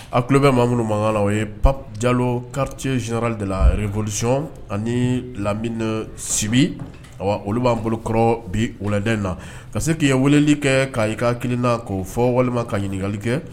A tulo bɛ ma minnu mankan na o ye Papi Jalo quartier general de la revolution ani Lamini Sibi, awa, olu b'an bolokɔrɔ bi wulada in na, ka se ka weeleli ka kelen kelen na na k'o fɔ walima ka ɲininkali kɛ